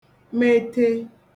mete